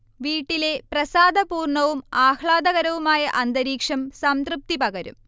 വീട്ടിലെ പ്രസാദപൂർണവും ആഹ്ലാദകരവുമായ അന്തരീക്ഷം സംതൃപ്തി പകരും